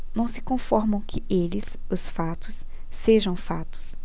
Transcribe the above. não se conformam que eles os fatos sejam fatos